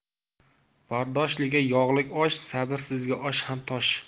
bardoshliga yog'lik osh sabrsizga osh ham tosh